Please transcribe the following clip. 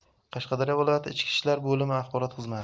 qashqadaryo viloyati ichki ishlar bolimi axborot xizmati